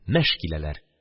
Мәш киләләр.